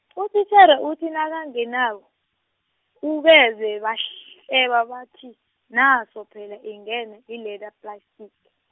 utitjhere uthi nakangenako, ubezwe bahleba bathi, naso phela ingena i- leather plastic.